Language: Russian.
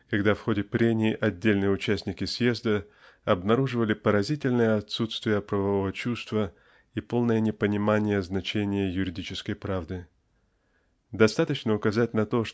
когда в ходе прений отдельные участники съезда обнаруживали поразительное отсутствие правового чувства и полное непонимание значения юридической правды. Достаточно указать на то